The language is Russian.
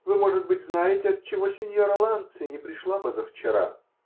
Вы, может быть, знаете, от чего синьора Ланци не пришла позавчера?